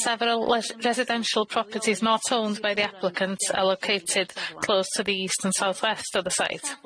Several le- residential properties not owned by the applicant are located close to the east and south west of the site.